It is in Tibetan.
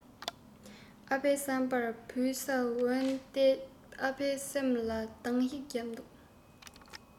ཨ ཕའི བསམ པར བུ ས འོན ཏེ ཨ ཕའི སེམས ལ གདང ཞིག བརྒྱབ དུས